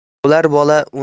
bo'lar bola o'n